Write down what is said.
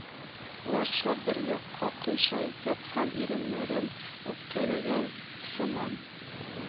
Ларча бер якка кыйшайтып һәм иреннәрен үпкәләгән сыман